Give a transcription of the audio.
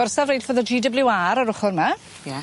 Gorsaf reilffordd y Gee Double You Are ar ochor 'ma. Ie.